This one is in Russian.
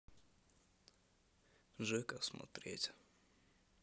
жека смотреть